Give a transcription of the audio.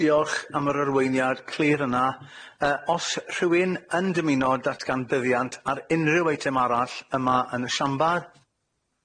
Diolch am yr arweiniad clir yna. Yy o's rhywun yn dymuno datgan buddiant ar unryw eitem arall, yma yn y siambar?